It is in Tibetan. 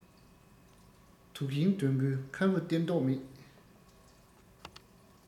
དུག ཤིང སྡོང པོས ཁམ བུ སྟེར མདོག མེད